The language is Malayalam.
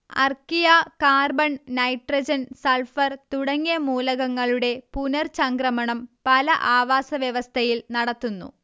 അർക്കിയ കാർബൺ നൈട്രജൻ സൾഫർ തുടങ്ങിയ മൂലകങ്ങളുടെ പുനർചംക്രമണം പല ആവാസവ്യവസ്ഥയിൽ നടത്തുന്നു